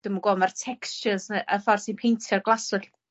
dwi'm yn gw'o' ma'r textures 'na a ffel ti'n peintio'r glaswellt